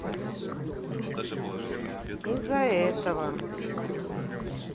из за этого